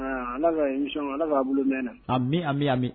Ala fɛ nisɔn ala'a bolo mɛn na a min an bɛ yanmi